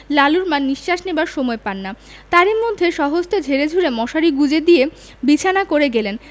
লালুর মা নিঃশ্বাস নেবার সময় পান না তারই মধ্যে স্বহস্তে ঝেড়েঝুড়ে মশারি গুঁজে দিয়ে বিছানা করে গেলেন